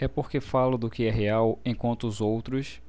é porque falo do que é real enquanto os outros